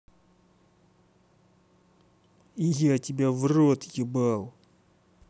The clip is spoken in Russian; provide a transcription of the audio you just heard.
я тебя в рот ебал